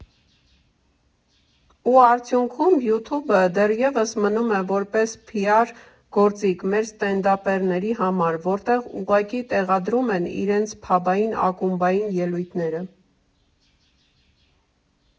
Ու արդյունքում Յութուբը դեռևս մնում է որպես փիար գործիք մեր ստենդափերների համար, որտեղ ուղղակի տեղադրում են իրենց փաբային, ակումբային ելույթները։